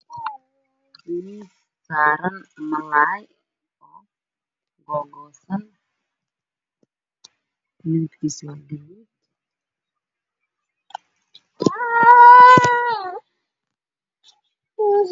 Meeshaan waxaa yaallo hilib jarjaray oo midabkiisu yahay guduud cadde